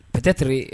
Peut-etre